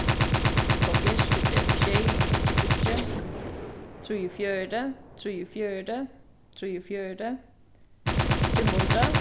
hálvfjerðs dividerað við sjey er ligvið tíggju trýogfjøruti trýogfjøruti trýogfjøruti fimm hundrað